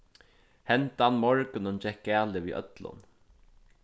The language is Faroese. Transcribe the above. hendan morgunin gekk galið við øllum